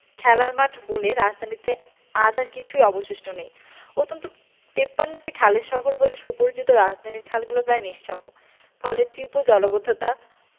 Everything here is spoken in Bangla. খেলার মাঠ বলে রাজধানীতে আজ আর কিছু অবশিষ্ট নেই অন্তত ৫৩টি খালের শহর বলে সুপরিচিত রাজধানীর খালগুলোও প্রায় নিশ্চিহ্ন ফলে তীব্র জলাবদ্ধতা